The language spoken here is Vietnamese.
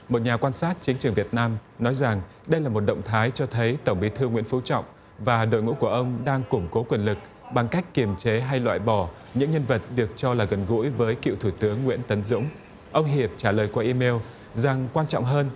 một nhà quan sát chiến trường việt nam nói rằng đây là một động thái cho thấy tổng bí thư nguyễn phú trọng và đội ngũ của ông đang củng cố quyền lực bằng cách kiềm chế hay loại bỏ những nhân vật được cho là gần gũi với cựu thủ tướng nguyễn tấn dũng ông hiệp trả lời qua i mêu rằng quan trọng hơn